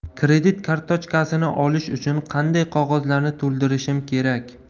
kredit kartochkasini olish uchun qanday qog'ozlarni to'ldirishim kerak